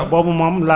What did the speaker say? boobu exactement